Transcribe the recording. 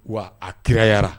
Wa a kirayarayara